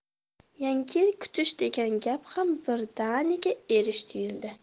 yangi yil kutish degan gap ham birdaniga erish tuyuldi